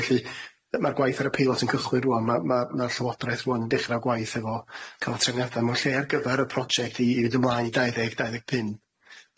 Felly yy ma'r gwaith ar y peilot yn cychwyn rŵan ma' ma' ma'r Llywodraeth rŵan yn dechra gwaith efo ca'l trengada mewn lle ar gyfar y project i i mynd ymlaen i dau ddeg dau ddeg pun,